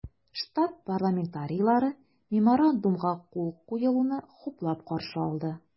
Штат парламентарийлары Меморандумга кул куелуны хуплап каршы алды.